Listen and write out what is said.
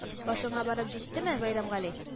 Башыңа барып җиттеме, Бәйрәмгали